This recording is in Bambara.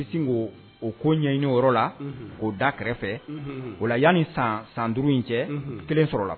Kisi sin o ko ɲɛɲini o la k'o da kɛrɛfɛ o la yan ni san san duuru in cɛ kelen sɔrɔ la